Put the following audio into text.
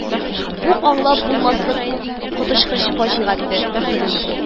Бу аңлап булмаслык коточкыч фаҗига, диде Столенберг